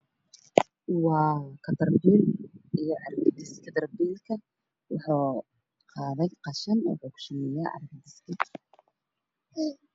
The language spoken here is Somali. Waa gaari weyn oo qashin lagu guraayo cagaf cagaf ayaa ku guurayso